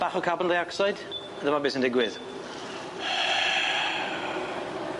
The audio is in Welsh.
Bach o carbon dioxide, a dyma be' sy'n digwydd.